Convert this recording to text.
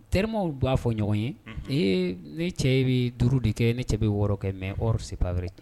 Terimaw b'a fɔ ɲɔgɔn ye, ɛɛ, ne cɛ bɛ duuru de kɛ ne cɛ bɛ wɔɔrɔ kɛ mais or c'est pas vrai